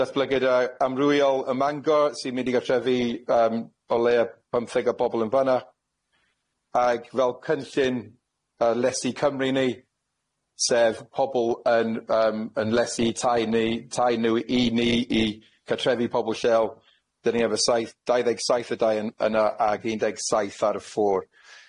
Datblygiada amrywiol ym Mangor sy'n mynd i gartrefi yym o leia pymtheg o bobol yn fan'a ag fel cynllun yy lesu Cymru ni sef pobol yn yym yn lesu tai ni tai nw i ni i gartrefi pobol lleol 'dyn ni efo saith dau ddeg saith y dau yn yna ag un deg saith ar y ffor.